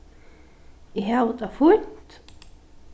eg havi tað fínt